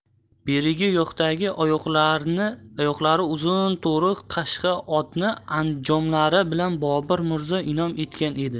berigi yoqdagi oyoqlari uzun to'riq qashqa otni anjomlari bilan bobur mirzo inom etgan edi